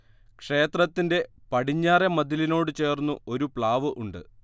ക്ഷേത്രത്തിന്റെ പടിഞ്ഞാറെ മതിലിനോട് ചേർന്നു ഒരു പ്ലാവ് ഉണ്ട്